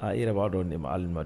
Aa yɛrɛ b'a dɔn de ma ali